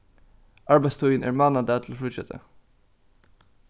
arbeiðstíðin er mánadag til fríggjadag